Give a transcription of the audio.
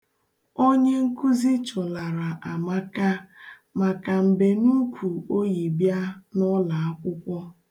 Onyenkuzi chụlara Amaka maka mbenuukwu o yi bịa n'ụlọakwụkwọ.